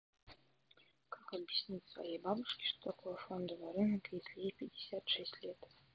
как объяснить своей бабушке что такое фондовый рынок если ей пятьдесят шесть лет